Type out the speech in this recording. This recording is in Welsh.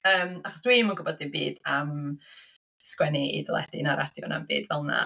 Yym achos dwi'm yn gwbod dim byd am sgwennu i deledu na radio na'm byd fel 'na.